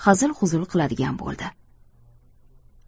hazil huzul qiladigan bo'ldi